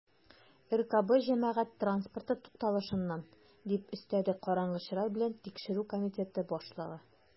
"ркб җәмәгать транспорты тукталышыннан", - дип өстәде караңгы чырай белән тикшерү комитеты башлыгы.